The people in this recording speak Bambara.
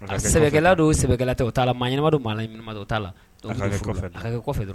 A sɛ don sɛbɛkɛla tɛ ma don maa la hakɛ dɔrɔn